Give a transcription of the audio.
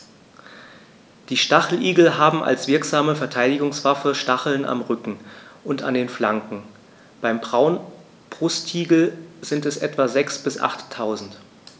Die Stacheligel haben als wirksame Verteidigungswaffe Stacheln am Rücken und an den Flanken (beim Braunbrustigel sind es etwa sechs- bis achttausend).